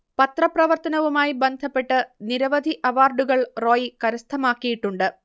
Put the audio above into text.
പത്രപ്രവർത്തനവുമായി ബദ്ധപ്പെട്ട് നിരവധി അവാർഡുകൾ റോയ് കരസ്ഥമാക്കിയിട്ടുണ്ട്